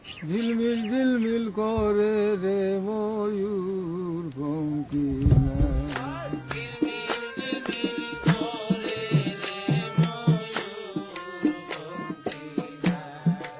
ঝিলমিল ঝিলমিল করে রে ময়ূরপঙ্খী নায় ঝিলমিল ঝিলমিল করে রে ময়ূরপঙ্খী নায়